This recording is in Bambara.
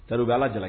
Ta u bɛ ala jara